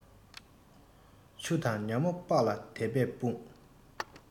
ཆུ ནང ཉ མོ སྤགས ལ དད པས ཕུང